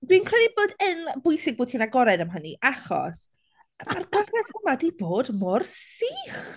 Fi'n credu bod e'n bwysig bod ti'n agored am hynny, achos ma'r gyfres yma 'di bod mor sych.